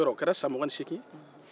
yɔrɔ o kɛra san mugan ni seegin ye